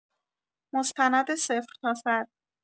مستند صفر تا صد